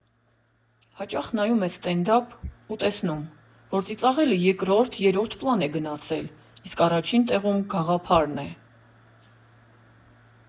Հաճախ նայում ես սթենդափ ու տեսնում, որ ծիծաղելը երկրորդ֊երրորդ պլան է գնացել, իսկ առաջին տեղում գաղափարն է։